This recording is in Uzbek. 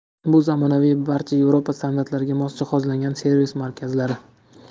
bu zamonaviy va barcha yevropa standartlariga mos jihozlangan servis markazlari